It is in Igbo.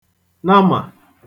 namà